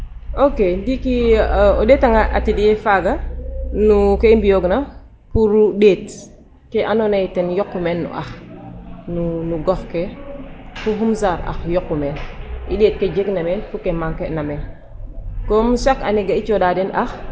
ok :A ndiiki o ɗeetanga atelier faaga no ke i mbi'oogina pour ɗeet ke andoona yee ten yoqu meen no ax no gox ke fo ban genre ax yoqu meen i ɗeet ke jegna meen fo ke manquer na meen comme chaque année ka i cooxaa den ax.